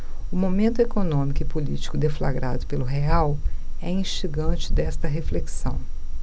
o momento econômico e político deflagrado pelo real é instigante desta reflexão